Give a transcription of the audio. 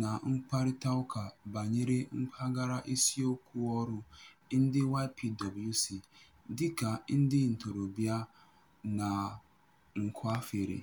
na mkparịtaụka banyere mpaghara isiokwu ọrụ ndị YPWC dịka ndị ntorobịa na nkwafere.